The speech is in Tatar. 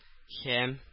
Һәм